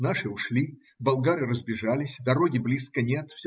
Наши ушли, болгары разбежались. Дороги близко нет.